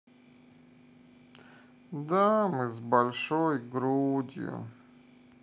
дамы с большой грудью